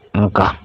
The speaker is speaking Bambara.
Nka